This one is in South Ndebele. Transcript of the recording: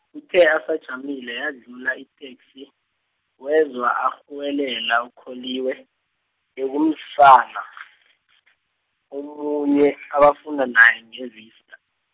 kuthe asajamile yadlula iteksi, wezwa arhuwelela uKholiwe, bekumsana, omunye, abafunda naye ngeVista.